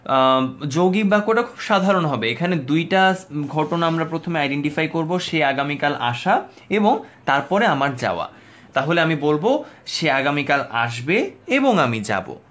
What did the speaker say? যৌগিক বাক্য টা খুব সাধারণ হবে এখানে দুইটা ঘটনা আমরা প্রথমে আইডেন্টিফাই করবো সে আগামীকাল আসা এবং তার পরে আমার যাওয়া তাহলে আমি বলব সে আগামীকাল আসবে এবং আমি যাব